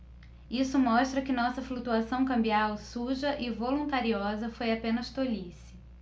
isso mostra que nossa flutuação cambial suja e voluntariosa foi apenas tolice